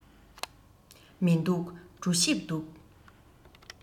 མི འདུག གྲོ ཞིབ འདུག